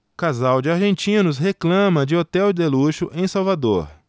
casal de argentinos reclama de hotel de luxo em salvador